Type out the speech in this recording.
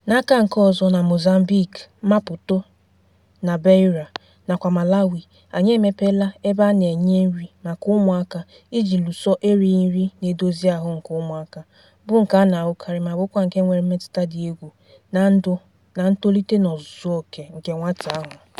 N'aka nke ọzọ, na Mozambique (Maputo na Beira) nakwa Malawi anyị emepeela ebe a na-enye nri maka ụmụaka iji lụso erighị nri na-edozi ahụ nke ụmụaka, bụ nke a na-ahụkarị ma bụkwa nke nwere mmetụta dị egwu na ndụ na ntolite n'ozuzu oké nke nwata ahụ.